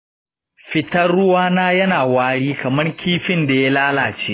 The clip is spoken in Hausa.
fitar ruwana yana wari kamar kifin da ya lalace.